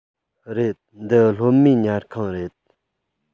རེད འདི སློབ མའི ཉལ ཁང རེད